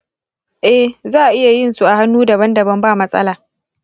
eh, za’a iya yin su a hannu daban daban bamatsala.